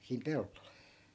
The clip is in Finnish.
siinä pellolla